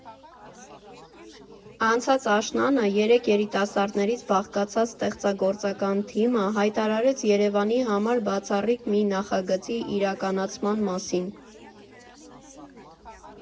Անցած աշնանը երեք երիտասարդներից բաղկացած ստեղծագործական թիմը հայտարարեց Երևանի համար բացառիկ մի նախագծի իրականացման մասին։